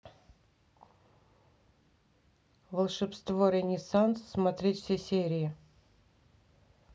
волшебство ренессанс смотреть все серии